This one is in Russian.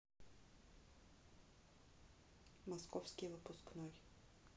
московский выпускной